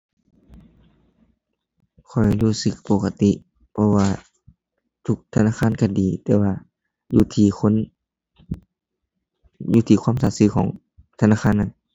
ข้อยรู้สึก ปกติ เพราะว่าทุกธนาคารก็ดี แต่ว่าอยู่ที่คน อยู่ที่ความสัตย์ซื่อของธนาคารนั้น